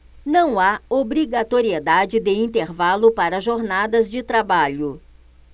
não há obrigatoriedade de intervalo para jornadas de trabalho